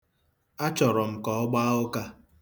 Achọrọ m ka ọ gbaa ụka.